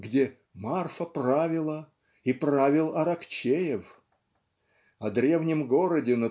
где "Марфа правила и правил Аракчеев" о древнем городе